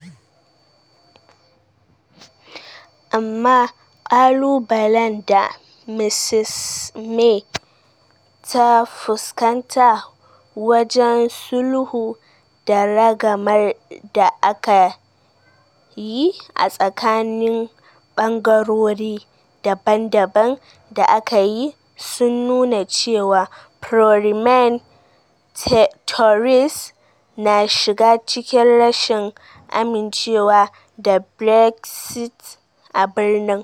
Amma ƙalubalen da Mrs May ta fuskanta wajen sulhu da ragamar da aka yi a tsakanin bangarori daban-daban da aka yi sun nuna cewa, Pro-Remain Tories na shiga cikin rashin amincewa da Brexit a birnin.